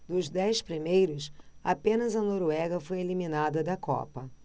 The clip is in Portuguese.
dos dez primeiros apenas a noruega foi eliminada da copa